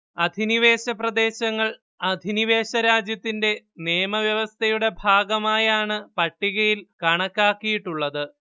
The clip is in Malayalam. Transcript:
അധിനിവേശപ്രദേശങ്ങൾ അധിനിവേശരാജ്യത്തിന്റെ നിയമവ്യവസ്ഥയുടെ ഭാഗമായാണ് പട്ടികയിൽ കണക്കാക്കിയിട്ടുള്ളത്